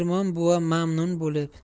buva mamnun bo'lib